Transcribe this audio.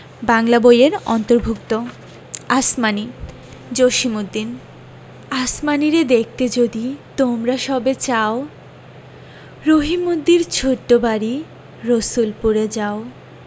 বাংলা বই এর অন্তর্ভুক্ত আসমানী জসিমউদ্দিন আসমানীরে দেখতে যদি তোমরা সবে চাও রহিমদ্দির ছোট্ট বাড়ি রসুলপুরে যাও